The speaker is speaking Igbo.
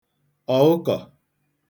ọ̀ụkọ̀